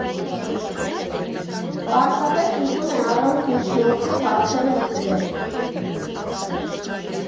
Պարզապես ուզում է առանց միջնորդի հարցերը լուծել։